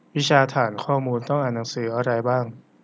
วิชาฐานข้อมูลต้องอ่านหนังสืออะไรบ้าง